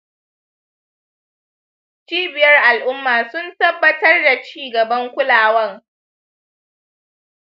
cibiyar al'umma sun tabbatar da cigaban kulawan.